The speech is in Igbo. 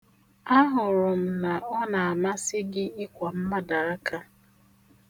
Ahụrụ m na ọ na-amasị gị ịkwa mmadụ aka.